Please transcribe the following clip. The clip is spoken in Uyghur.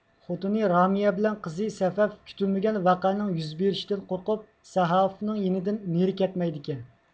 خوتۇنى رامىيە بىلەن قىزى سەفەف كۈتۈلمىگەن ۋەقەنىڭ يۈز بېرىشىدىن قورقۇپ سەھافنىڭ يېنىدىن نېرى كەتمەيدىكەن